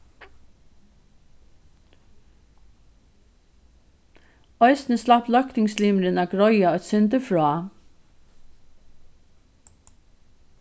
eisini slapp løgtingslimurin at greiða eitt sindur frá